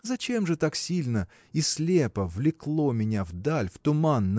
Зачем же так сильно и слепо влекло меня вдаль в туман